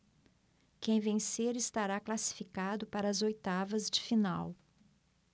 quem vencer estará classificado para as oitavas de final